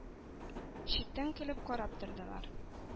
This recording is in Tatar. Читтән, көлеп, карап тордылар...